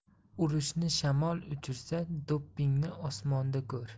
uyurni shamol uchirsa do'ppingni osmonda ko'r